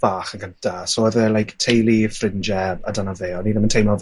fach yn gynta. So odd e like teulu. ffrindie a dyna fe, o'n i ddim yn teimlo